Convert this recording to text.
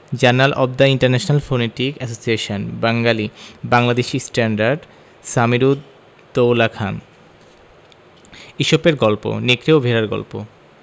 journal of the international phonetic association Bengali Bangladeshi standard Samir ud Daula Khan ইসপের গল্প নেকড়ে ও ভেড়ার গল্প